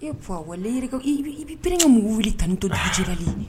E fa wayi ko i bɛ bereerekɛ mun wuli kanu to dijili ye